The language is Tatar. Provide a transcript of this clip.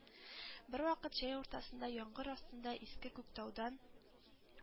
Бервакыт җәй уртасында, яңгыр астында Иске Күктаудан